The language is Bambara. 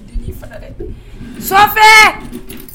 sɔɔfɛɛ